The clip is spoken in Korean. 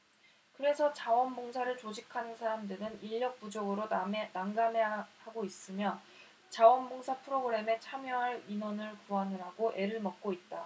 그래서 자원 봉사를 조직하는 사람들은 인력 부족으로 난감해하고 있으며 자원 봉사 프로그램에 참여할 인원을 구하느라고 애를 먹고 있다